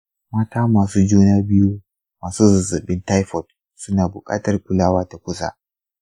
mata masu juna biyu masu zazzabin taifot suna buƙatar kulawa ta kusa.